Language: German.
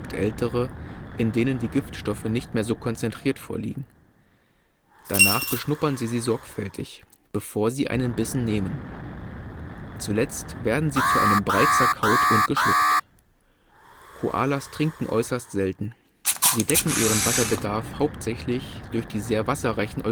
ältere, in denen die Giftstoffe nicht mehr so konzentriert vorliegen. Danach beschnuppern sie sie sorgfältig, bevor sie einen Bissen nehmen. Zuletzt werden sie zu einem Brei zerkaut und geschluckt. Koalas trinken äußerst selten. Sie decken ihren Wasserbedarf hauptsächlich durch die sehr wasserreichen